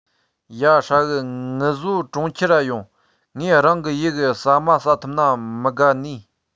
ཡ ཧྲ གི ངུ བཟོ གྲོང ཁྱེར ར ཡོང ངས རང གི ཡུལ གི ཟ མ ཟ ཐུབ ན མི དགའ ནིས